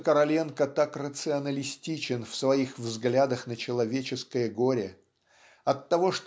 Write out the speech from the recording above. что Короленко так рационалистичен в своих взглядах на человеческое горе оттого